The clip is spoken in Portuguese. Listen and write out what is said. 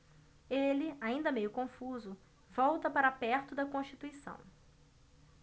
ele ainda meio confuso volta para perto de constituição